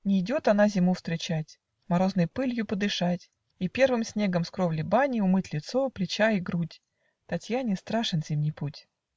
Нейдет она зиму встречать, Морозной пылью подышать И первым снегом с кровли бани Умыть лицо, плеча и грудь: Татьяне страшен зимний путь.